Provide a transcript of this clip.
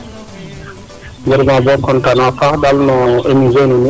content na a paax daal no emission ne nuun .